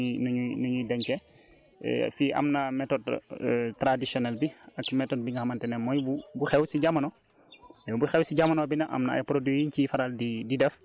façon yi bëri na ñoom ñii yaakaar naa béykat yu bëri xam nañu nu ñuy nu ñuy nu ñuy dencee fii am na méthode traditionnelle bi ak méthode bi nga xamante ne mooy bu bu xew si jamono